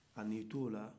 a y'i t'o la